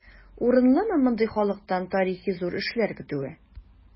Урынлымы мондый халыктан тарихи зур эшләр көтүе?